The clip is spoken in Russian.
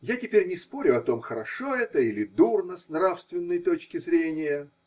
Я теперь не спорю о том, хорошо это или дурно с нравственной точки зрения.